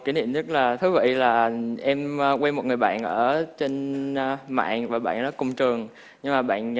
kỷ niệm rất là thú vị là em quen một người bạn ở trên mạng và bạn đó trường nhưng mà bạn